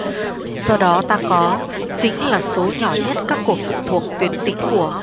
do đó ta có chính là số nhỏ nhất các cột phụ thuộc tuyến tính của